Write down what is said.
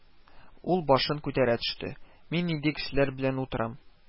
Ул башын күтәрә төште: «Мин нинди кешеләр белән утырам